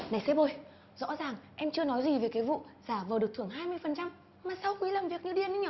này sếp ơi rõ ràng em chưa nói gì về cái vụ giả vờ được thưởng phần trăm mà sao tới làm việc như điên ấy nhở